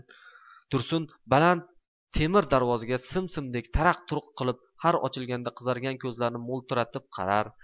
tursun baland temir darvozaga sim simdek taraq turiq qilib har ochilganda qizargan ko'zlarini mo'ltiratib qarar